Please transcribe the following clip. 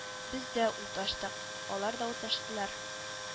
Без дә ут ачтык, алар да ут ачтылар